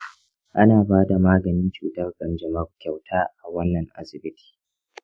ana ba da maganin cutar kanjamau kyauta a wannan asibiti.